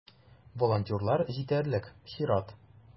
Волонтерлар җитәрлек - чират.